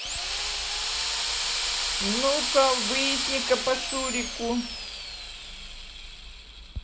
ну ка выясни ка по шурику